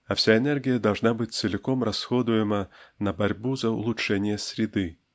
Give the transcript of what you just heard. а вся энергия должна быть целиком расходуема на борьбу за улучшение среды.